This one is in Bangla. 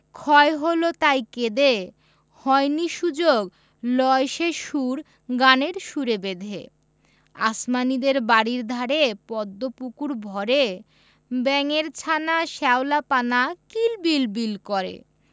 ক্ষয় হল তাই কেঁদে হয়নি সুযোগ লয় সে সুর গানের সুরে বেঁধে আসমানীদের বাড়ির ধারে পদ্ম পুকুর ভরে ব্যাঙের ছানা শ্যাওলা পানা কিল বিল বিল করে